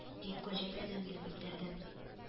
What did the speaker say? — дип, гаҗәпсенүемне белдердем